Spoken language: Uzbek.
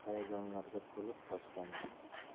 hayajonlarga to'lib toshgandi